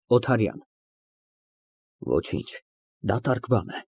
ՕԹԱՐՅԱՆ ֊ Ոչինչ, դատարկ բան է։